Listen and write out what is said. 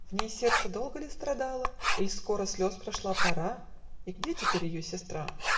В ней сердце долго ли страдало, Иль скоро слез прошла пора? И где теперь ее сестра?